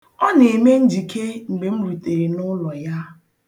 Ọ na-eme njike mgbe m rutere n'ụlọ ya.